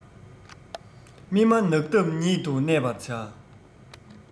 མི སྨྲ ནགས འདབས ཉིད དུ གནས པར བྱ